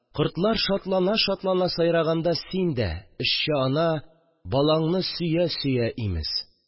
Кортлар шатлана-шатлана сайраганда, син дә, эшче ана, балаңны сөя-сөя имез